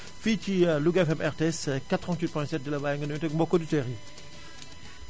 fii ci Louga FM RTS 88.7 di la bàyyi nga nuyuwante ak mbokki auditeurs yi